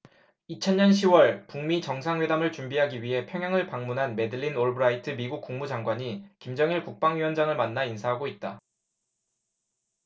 이천 년 시 월 북 미 정상회담을 준비하기 위해 평양을 방문한 매들린 올브라이트 미국 국무장관이 김정일 국방위원장을 만나 인사하고 있다